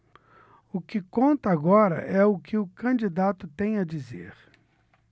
o que conta agora é o que o candidato tem a dizer